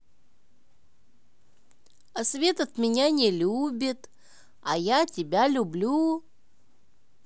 а свет от меня не любит а я тебя люблю